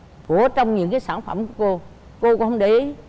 của trong những cái sản phẩm của cô cô cũng không để ý